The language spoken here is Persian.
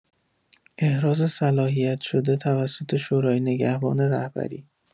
احراز صلاحیت شده توسط شورای نگهبان رهبری